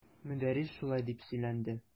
Мөдәррис шулай дип сөйләнде.